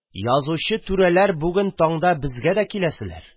Язучы түрәләр бүген таңда безгә дә киләселәр